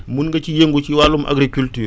mun nga ci yëngu ci wàllum agriculture